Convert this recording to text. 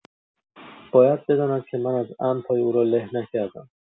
باید بداند که من از عمد پای او را له نکردم.